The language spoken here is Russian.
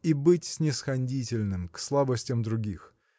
и быть снисходительным к слабостям других.